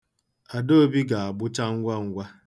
Adaobi ga-agbụcha ngwa ngwa.